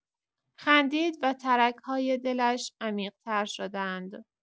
خندید و ترک‌های دلش عمیق‌تر شدند.